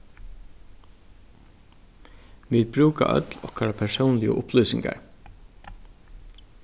vit brúka øll okkara persónligu upplýsingar